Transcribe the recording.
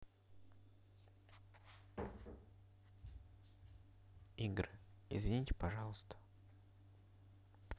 игры извините пожалуйста